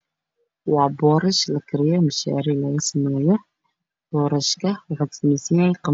Waaa buushi lagariyaayy wxaa ka sameysan yahy